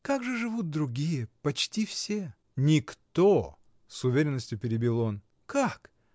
— Как же живут другие, почти все? — Никто! — с уверенностью перебил он. — Как?